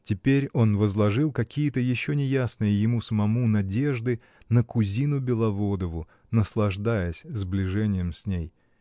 Теперь он возложил какие-то, еще неясные ему самому, надежды на кузину Беловодову, наслаждаясь сближением с ней.